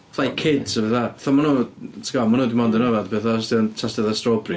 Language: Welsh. Fatha i kids a petha. Fatha maen nhw, ti'n gwbod, maen nhw dim ond... mm. ...yn yfed petha os 'di o'n tastio fatha strawberries ...ia.